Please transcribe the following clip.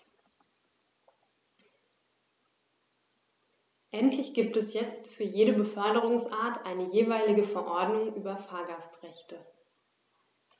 Endlich gibt es jetzt für jede Beförderungsart eine jeweilige Verordnung über Fahrgastrechte.